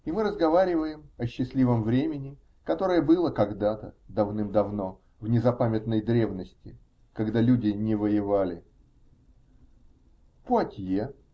И мы разговариваем о счастливом времени, которое было когда-то, давным-давно, в незапамятной древности, когда люди не воевали. Пуатье.